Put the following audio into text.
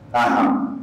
Aɔn